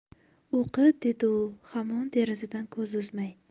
o'qi dedi u hamon derazadan ko'z uzmay